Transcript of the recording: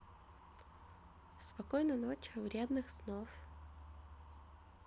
спокойной ночи вредных снов